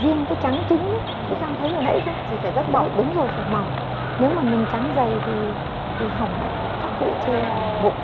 riêng cái trắng trứng đấy con thấy hồi nẫy không đúng rồi phải mỏng nếu mà mình trắng dày thì thì hỏng mất các cụ chê là vụng